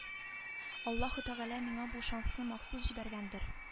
Аллаһы тәгалә миңа бу шансны махсус җибәргәндер